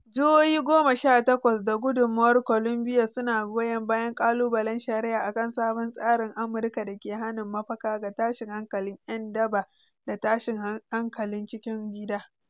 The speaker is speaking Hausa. Jihohi goma sha takwas da Gundumar Columbia su na goyon bayan kalubalen shari’a akan sabon tsarin Amurka da ke hanin mafaka ga tashin hankalin yan daba da tashin hankalin cikin gida.